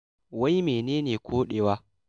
Wai menene koɗewa?